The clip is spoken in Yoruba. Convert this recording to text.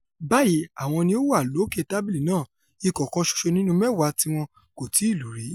Báyìí àwọn ni ó wà lóòkè tábìlì náà, ikọ̀ kan ṣoṣo nínú mẹ́wàá tíwọn kò tíì lù rí.